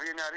am na